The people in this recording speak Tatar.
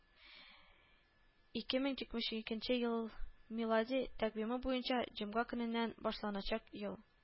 Ике мең җитмеш икенче ел милади тәкъвиме буенча җомга көненнән башланачак ел